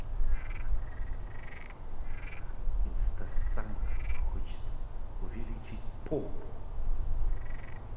instasamka хочет увеличить попу